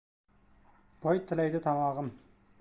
bol tilaydi tomog'im